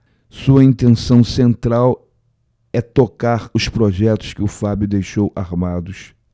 sua intenção central é tocar os projetos que o fábio deixou armados